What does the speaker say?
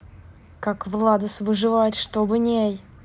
как владас выживает штобы ней